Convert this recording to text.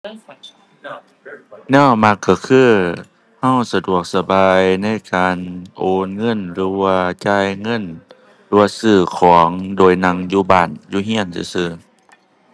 แนวมักก็คือ ก็สะดวกสบายในการโอนเงินหรือว่าจ่ายเงิน หรือว่าซื้อของโดยนั่งอยู่บ้าน อยู่ก็ซื่อซื่อ